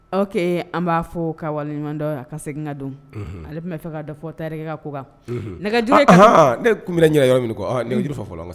Ɔ kɛlen an b'a fɔ ka waliɲumandɔn a ka segin ka don ale tun bɛ fɛ ka da fɔ ta ka ko kan nɛgɛj ne kun bɛ ɲɛna yɔrɔ min jiri fa fɔlɔ la